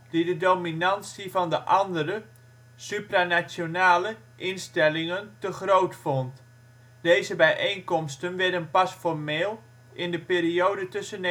die de dominantie van de andere (supranationale) instellingen te groot vond. Deze bijeenkomsten werden pas formeel in de periode tussen